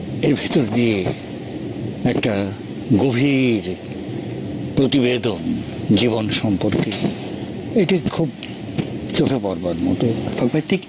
এর ভেতর দিয়ে একটা গভীর প্রতিবেদন জীবন সম্পর্কে এটি খুব চোখে পড়বার মত আমি ঠিক